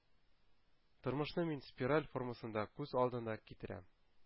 Тормышны мин спираль формасында күз алдына китерәм.